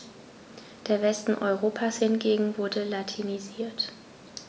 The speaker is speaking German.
Der Westen Europas hingegen wurde latinisiert.